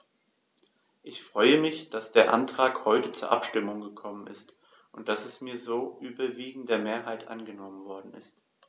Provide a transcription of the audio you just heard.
Ich freue mich, dass der Antrag heute zur Abstimmung gekommen ist und dass er mit so überwiegender Mehrheit angenommen worden ist.